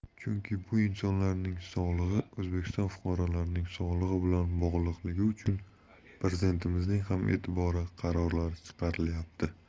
chunki bu insonlarning sog'lig'i o'zbekiston fuqarolarining sog'lig'i bilan bog'liqligi uchun prezidentimizning ham e'tibori qarorlari chiqarilyapti